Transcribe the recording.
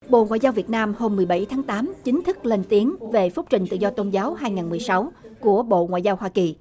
bộ ngoại giao việt nam hôm mười bảy tháng tám chính thức lên tiếng về phúc trình tự do tôn giáo hai ngàn mười sáu của bộ ngoại giao hoa kỳ